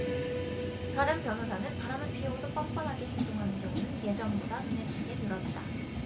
다른 변호사는 바람을 피우고도 뻔뻔하게 행동하는 경우는 예전보다 눈에 띄게 늘었다